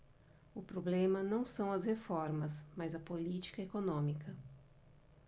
o problema não são as reformas mas a política econômica